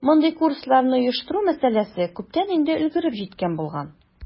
Мондый курсларны оештыру мәсьәләсе күптән инде өлгереп җиткән булган.